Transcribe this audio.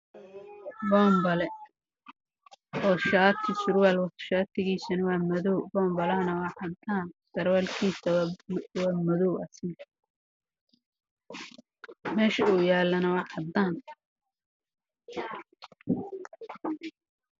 Boombalo shaati iyo surwal wata